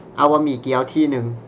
เอาบะหมี่เกี๊ยวที่นึง